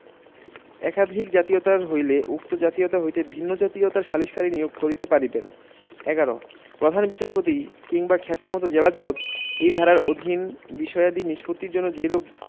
একাধিক জাতীয়তার হইলে উক্ত জাতয়িতা হইতে ভিন্ন জাতীয়তার সালিসকারী নিয়োগ করিতে পারিবেন ১১ প্রধান বিচারপতি কিংবা ক্ষেত্রমত জেলাজজ এই ধারার অধীন বিষয়াদি নিষ্পত্তির জন্য যেইরূপ